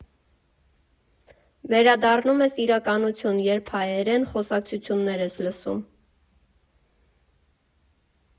Վերադառնում ես իրականություն, երբ հայերեն խոսակցություններ ես լսում։